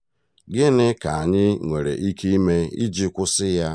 Gịnị ka anyị nwere ike ime iji kwụsị ya?